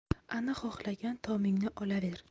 ana xohlagan tomingni olaver